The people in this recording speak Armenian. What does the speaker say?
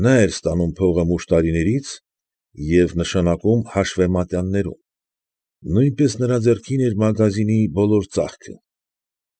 Նա էր ստանում փողը մուշտարիներից և նշանակում հաշվեմատյաններում, նույնպես նրա ձեռքին էր մագազինի բոլոր ծախքը։